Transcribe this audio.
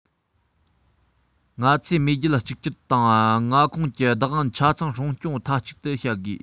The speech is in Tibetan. ང ཚོས མེས རྒྱལ གཅིག གྱུར དང མངའ ཁོངས ཀྱི བདག དབང ཆ ཚང སྲུང སྐྱོང མཐའ གཅིག ཏུ བྱ དགོས